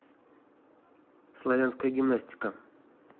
славянская гимнастика